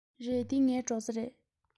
རེད འདི ངའི སྒྲོག རྩེ རེད